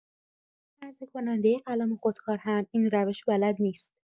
عرضه‌کننده قلم و خودکار هم این روش رو بلد نیست.